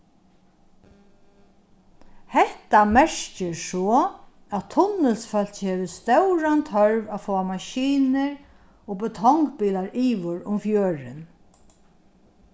hetta merkir so at tunnilsfólkið hevur stóran tørv at fáa maskinur og betongbilar yvir um fjørðin